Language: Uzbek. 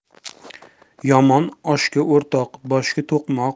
yomon oshga o'rtoq boshga to'qmoq